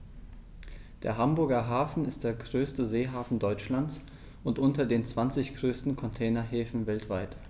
Der Hamburger Hafen ist der größte Seehafen Deutschlands und unter den zwanzig größten Containerhäfen weltweit.